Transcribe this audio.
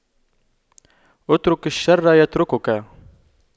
اترك الشر يتركك